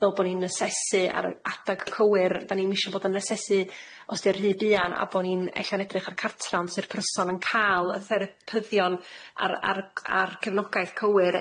fel bo' ni'n asesu ar yr adag cywir. Da ni'm isio bod yn asesu os di o'n rhy buan, a bo' ni'n ella'n edrych ar cartra, on' se'r person yn ca'l y therapyddion ar ar c- ar cefnogaeth cywir.